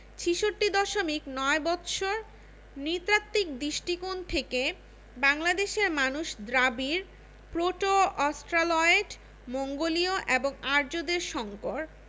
৬৬দশমিক ৯ বৎসর নৃতাত্ত্বিক দৃষ্টিকোণ থেকে বাংলাদেশের মানুষ দ্রাবিড় প্রোটো অস্ট্রালয়েড মঙ্গোলীয় এবং আর্যদের সংকর